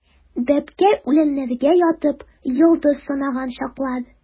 Бәбкә үләннәргә ятып, йолдыз санаган чаклар.